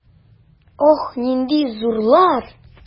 Ох, нинди зурлар!